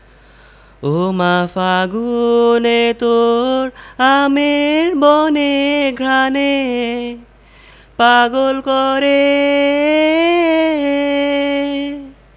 ওমা ফাগুনে তোর আমের বনে ঘ্রাণে পাগল করে